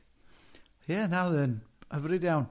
Ie, na oedd e'n hyfryd iawn.